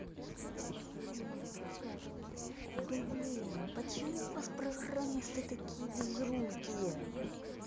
блин почему у вас программисты такие безрукие